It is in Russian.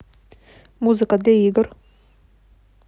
музыка для игр